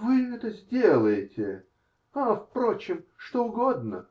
-- Вы это сделаете?! А впрочем, что угодно.